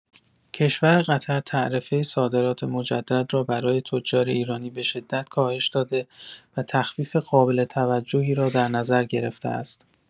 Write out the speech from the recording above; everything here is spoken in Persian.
کشور قطر تعرفه صادرات مجدد را برای تجار ایرانی به‌شدت کاهش داده و تخفیف قابل توجهی را در نظر گرفته است.